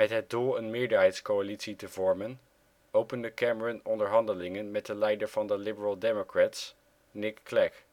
het doel een meerderheidscoalitie te vormen opende Cameron onderhandelingen met de leider van de Liberal Democrats, Nick Clegg